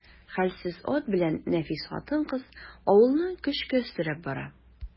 Хәлсез ат белән нәфис хатын-кыз авылны көчкә өстерәп бара.